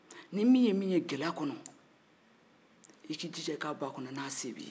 ni min ye min ye gɛlɛya kɔnɔ i k'i jija i k'a b'a kɔnɔ n'a se b'i ye